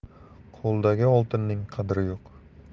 qo'ldagi oltinning qadri yo'q